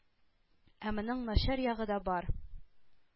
Ә моның начар ягы да бар.